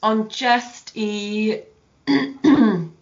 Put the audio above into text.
Ond jyst i